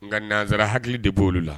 Nka nanzsara hakili de b' olu la